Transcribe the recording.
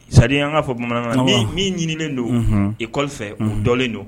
Zandi an'a fɔ bamanan min ɲinilen don i dɔlen don